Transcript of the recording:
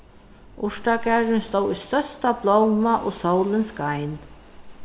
urtagarðurin stóð í størsta blóma og sólin skein